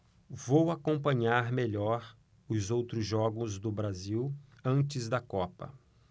vou acompanhar melhor os outros jogos do brasil antes da copa